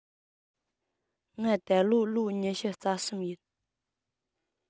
ང ད ལོ ལོ ཉི ཤུ རྩ གསུམ ཡིན